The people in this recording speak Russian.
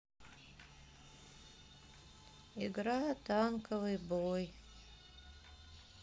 игра танковый бой